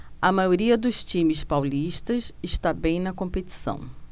a maioria dos times paulistas está bem na competição